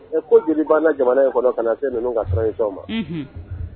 Ɛ ko jeli banna jamana in kɔnɔ kana se ninnu ka transition ma unhun